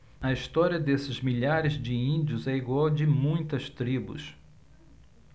a história desses milhares de índios é igual à de muitas tribos